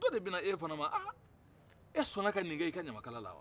dɔ de bɛ n'e fɛnɛ ma ah e sɔnna ka nin k'i ka ɲamakala wa